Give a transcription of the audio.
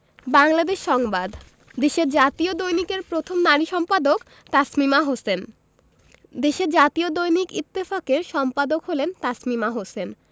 বাংলাদেশ সংবাদ দেশের জাতীয় দৈনিকের প্রথম নারী সম্পাদক তাসমিমা হোসেন দেশের জাতীয় দৈনিক ইত্তেফাকের সম্পাদক হলেন তাসমিমা হোসেন